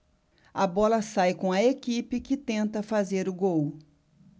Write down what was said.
a bola sai com a equipe que tenta fazer o gol